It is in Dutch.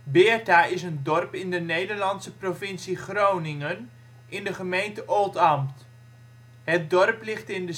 Beert (e)) is een dorp in de Nederlandse provincie Groningen in de gemeente Oldambt. Het dorp ligt in de